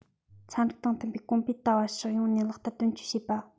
ཚན རིག དང མཐུན པའི གོང སྤེལ ལྟ བ ཕྱོགས ཡོངས ནས ལག བསྟར དོན འཁྱོལ བྱེད པ